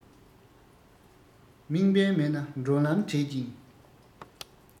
དམིགས འབེན མེད ན འགྲོ ལམ བྲལ ཅིང